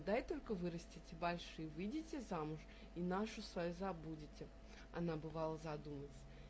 вот дай только вырастете большие, выдете замуж и Нашу свою забудете. -- Она, бывало, задумается.